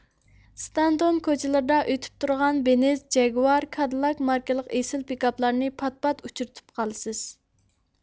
ستانتون كوچىلىرىدا ئۆتۈپ تۇرغان بېنېز جەگۋار كادىلاك ماركىلىق ئېسىل پىكاپلارنى پات پات ئۇچرىتىپ قالىسىز